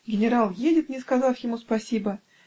Генерал едет, не сказав ему спасибо.